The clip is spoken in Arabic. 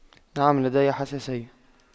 نعم لدي حساسية